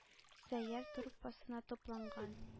«сәйяр» труппасына тупланган,